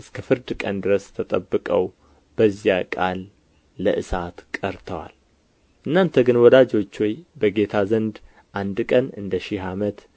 እስከ ፍርድ ቀን ድረስ ተጠብቀው በዚያ ቃል ለእሳት ቀርተዋል እናንተ ግን ወዳጆች ሆይ በጌታ ዘንድ አንድ ቀን እንደ ሺህ ዓመት